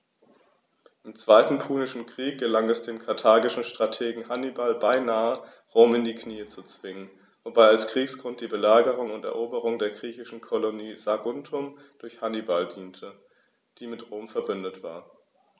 Im Zweiten Punischen Krieg gelang es dem karthagischen Strategen Hannibal beinahe, Rom in die Knie zu zwingen, wobei als Kriegsgrund die Belagerung und Eroberung der griechischen Kolonie Saguntum durch Hannibal diente, die mit Rom „verbündet“ war.